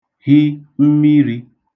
hi mmirī